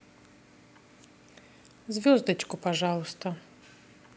звездочку пожалуйста